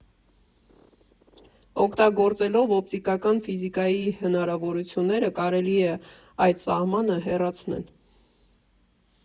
Օգտագործելով օպտիկական ֆիզիկայի հնարավորությունները՝ կարելի է այդ սահմանը հեռացնել։